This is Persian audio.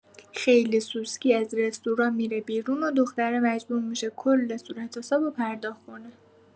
خیلی سوسکی از رستوران می‌ره بیرون و دختره مجبور می‌شه کل صورتحساب رو پرداخت کنه!